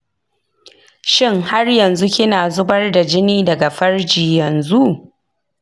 shin har yanzu kina zubar da jini daga farji yanzu?